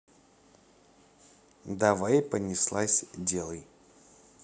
давай понеслась делай